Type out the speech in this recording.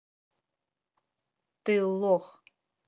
ты лох